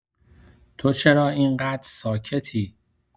تو چرا این‌قدر ساکتی؟